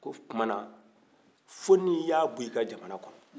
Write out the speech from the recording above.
ko o tuma na fɔ ni i y'a bɔ i ka jamana kɔnɔ